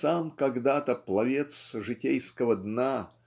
сам когда-то пловец житейского дна